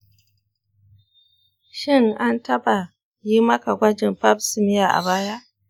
shin an taba yi maka gwajin pap smear a baya?